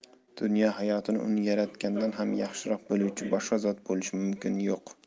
dunyo hayotini uni yaratgandan ham yaxshiroq biluvchi boshqa zot bo'lishi mumkinmi yo'q